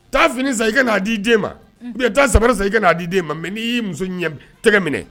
Taa fini san i ka n'a d'i den ma unhun ou bien taa sabara san i ka n'a d'i den ma mais n'i y'i muso ɲɛ b tɛgɛ minɛ